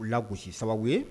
U la gosi sababu ye